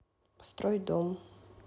построить дом